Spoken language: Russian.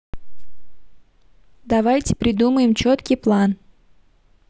давайте придумаем четкий план